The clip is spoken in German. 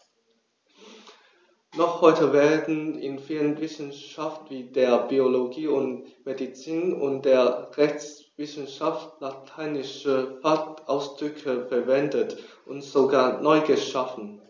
Noch heute werden in vielen Wissenschaften wie der Biologie, der Medizin und der Rechtswissenschaft lateinische Fachausdrücke verwendet und sogar neu geschaffen.